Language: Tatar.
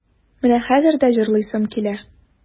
Менә хәзер дә җырлыйсым килә.